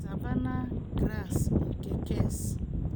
1. "Savannah Grass" nke Kes